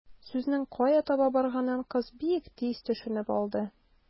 Сүзнең кая таба барганын кыз бик тиз төшенеп алды.